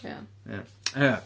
Ie... Ie. ...Eniwe.